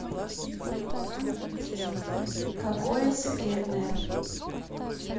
какое секретное